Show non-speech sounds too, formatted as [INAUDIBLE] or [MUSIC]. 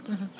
[HESITATION] [HESITATION]